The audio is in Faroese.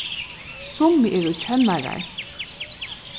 summi eru kennarar